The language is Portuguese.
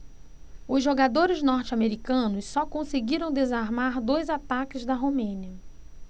os jogadores norte-americanos só conseguiram desarmar dois ataques da romênia